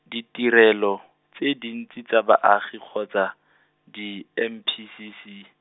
ditirelo, tse dintsi tsa baagi kgotsa, di M P C C.